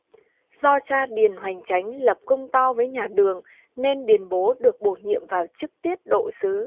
do cha điền hoằng chánh lập công to với nhà đường nên điền bố được bổ nhiệm vào chức tiết độ sứ